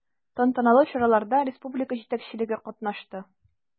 Тантаналы чараларда республика җитәкчелеге катнашты.